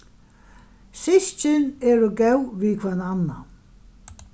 systkin eru góð við hvønn annan